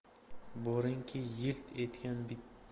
boringki yilt etgan